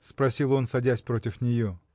— спросил он, садясь против нее.